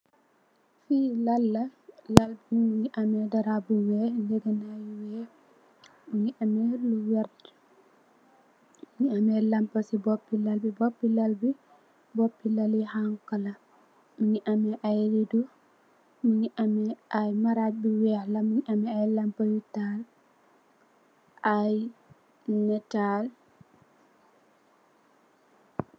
Fi laal la laal mongi am dara bu weex ngegenay bu weex mongi ame lu werta mongi am lampa si bopi laal bi bobi laal xonxa la mongi ame ay redo mongi ame ay marag yu weex mongi ame ay lampa yu taal ay netaal.